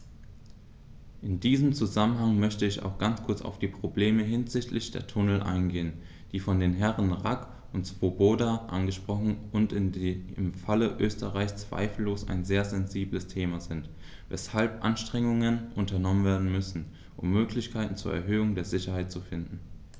In diesem Zusammenhang möchte ich auch ganz kurz auf die Probleme hinsichtlich der Tunnel eingehen, die von den Herren Rack und Swoboda angesprochen wurden und die im Falle Österreichs zweifellos ein sehr sensibles Thema sind, weshalb Anstrengungen unternommen werden müssen, um Möglichkeiten zur Erhöhung der Sicherheit zu finden.